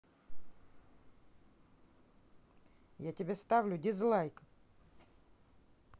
я тебе ставлю дизлайк